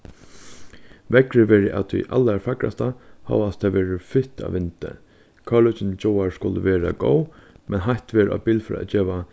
veðrið verður av tí allarfagrasta hóast tað verður fitt av vindi koyrilíkindini til gjáar skuldu verið góð men heitt verður á bilførarar at geva